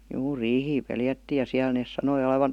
juu riihiä pelättiin ja siellä ne sanoi olevan